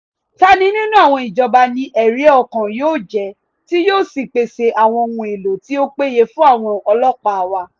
Tani nínú àwọn ìjọba ni ẹ̀rí ọkàn yóò jẹ́ tí yóò sì pèsè àwọn ohun èlò tí ó péye fún àwọn ọlọ́pàá wa?